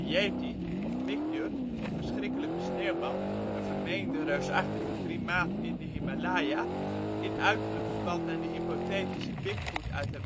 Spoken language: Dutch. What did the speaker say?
Yeti of Migyur of verschrikkelijke sneeuwman, een vermeende reusachtige primaat in de Himalaya, in uiterlijk verwant aan de hypothetische Bigfoot uit Amerika